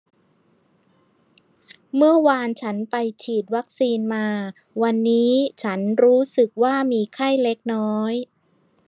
เมื่อวานฉันไปฉีดวัคซีนมาวันนี้ฉันรู้สึกว่ามีไข้เล็กน้อย